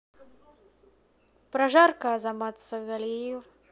прожарка азамат сагалиев